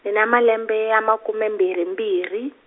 ni na malembe ya makume mbirhi mbirhi.